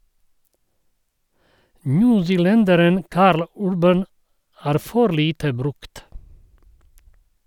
Newzealenderen Karl Urban er for lite brukt.